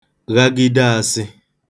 ghagide āsị̄